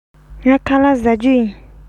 ངས ཁ ལག བཟས མེད